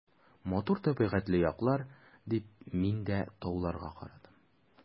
Матур табигатьле яклар, — дип мин дә тауларга карадым.